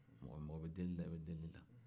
mɔgɔ bɛ delila e de bɛ deli la